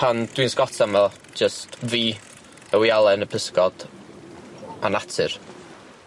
Pan dwi'n sgota ma' jyst fi y wialen y pysgod a natur.